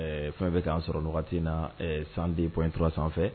Fɛn bɛ ka'a sɔrɔ wagati in na sanden bɔ intura sanfɛ